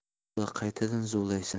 bo'ldi qaytadan zuvlaysan